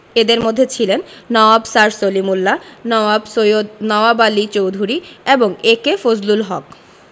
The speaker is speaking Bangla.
এঁদের মধ্যে ছিলেন নওয়াব স্যার সলিমুল্লাহ নওয়াব সৈয়দ নওয়াব আলী চৌধুরী এবং এ.কে ফজলুল হক